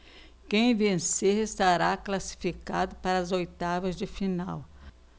quem vencer estará classificado para as oitavas de final